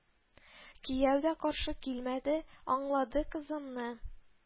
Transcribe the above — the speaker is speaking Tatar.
Кияү дә каршы килмәде, аңлады кызымны